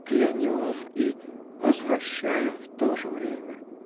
Клянем — и развращаем в то же время!